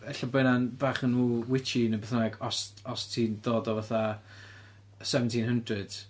Ella bod hwnna'n bach yn w- witchy neu beth bynnag, os os ti'n dod o fatha seventeen hundreds.